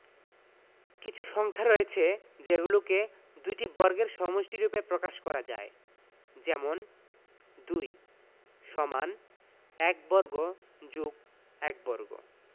কিছু সংখ্যা রয়েছে যেগুলোকে দুইটি বর্গের সমষ্টিরুপে প্রকাশ করা যায় যেমনঃ ২ = ১ বর্গ + ১ বর্গ